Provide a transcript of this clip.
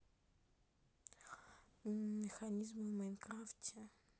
механизмы в майнкрафте